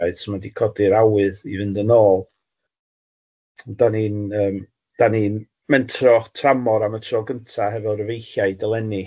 Reit ma'n di codi'r awydd i fynd yn ôl, ond dan ni'n yym dan ni'n mentro tramor am y tro gynta hefo'r efeilliaid eleni.